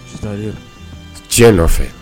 Tiɲɛ nɔfɛ